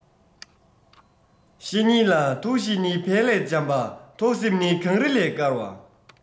བཤེས གཉེན ལགས ཐུགས གཤིས ནི བལ ལས འཇམ པ ཐུགས སེམས ནི གངས རི ལས དཀར བ